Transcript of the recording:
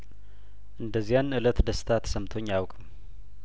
እንደ ዚያን እለት ደስታ ተሰምቶኝ አያውቅም